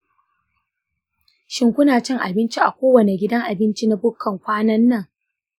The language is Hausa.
shin kuna cin abinci a kowane gidan abinci na bukka kwanan nan?